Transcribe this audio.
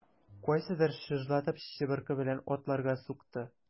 Кайсыдыр чыжлатып чыбыркы белән атларга сукты.